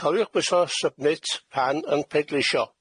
Coliwch bwyso submit pan yn peidleisio.